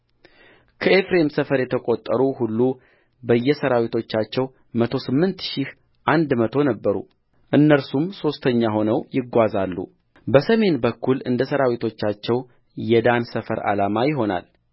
ከኤፍሬም ሰፈር የተቈጠሩ ሁሉ በየሠራዊቶቻቸው መቶ ስምንት ሺህ አንድ መቶ ነበሩ እነርሱም ሦስተኛ ሆነው ይጓዛሉበሰሜን በኩል እንደ ሠራዊቶቻቸው የዳን ሰፈር ዓላማ ይሆናል